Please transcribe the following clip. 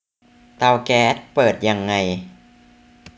เตาแก๊สเปิดยังไง